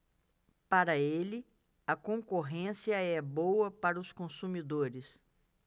para ele a concorrência é boa para os consumidores